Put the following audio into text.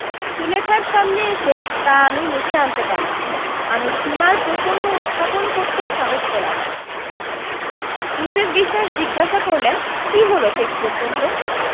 সুলেখার সামনে এসে তা আমি মুখে আনতে পারলাম না আমি সীমার প্রসঙ্গ উত্থাপন করতে সাহস পেলাম না মিসেস বিশোয়াস জিজ্ঞাসা করলেন কী হলো শেষ পর্য্যন্ত